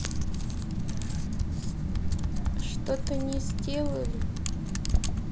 что то не сделали